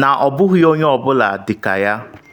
na “ọ bụghị onye ọ bụla dị ka ya.”